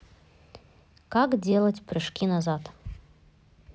как делать прыжки назад